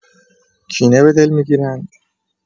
کینه به دل می‌گیرند؟!